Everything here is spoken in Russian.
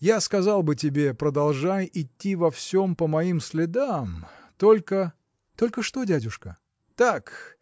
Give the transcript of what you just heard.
Я сказал бы тебе: продолжай идти во всем по моим следам, только. – Только что, дядюшка? – Так.